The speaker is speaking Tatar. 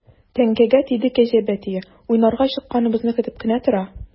Теңкәгә тиде кәҗә бәтие, уйнарга чыкканыбызны көтеп кенә тора.